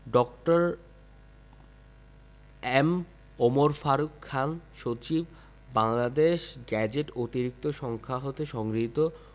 ড. মে. ওমর ফারুক খান সচিব বাংলাদেশ গেজেট অতিরিক্ত সংখ্যা হতে সংগৃহীত